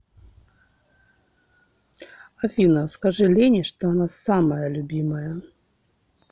афина скажи лене что она самая любимая